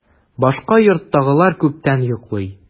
Башка йорттагылар күптән йоклый.